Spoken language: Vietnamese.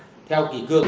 theo kỷ cương